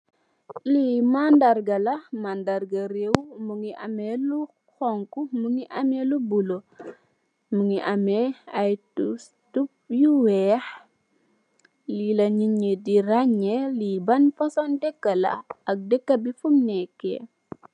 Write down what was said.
li mandaargala mandaarga bi mingi amme lo xonko mingi amme lo bulu mingi amme ay tup tup yu weex li la neen di rangne li ban fahsion deka la ak deka bi fum nekeh.